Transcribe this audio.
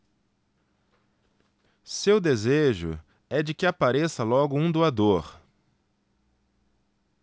seu desejo é de que apareça logo um doador